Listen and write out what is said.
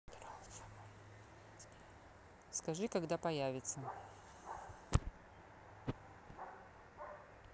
скажи когда появится